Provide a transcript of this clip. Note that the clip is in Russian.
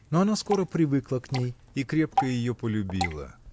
но она скоро привыкла к ней и крепко полюбила.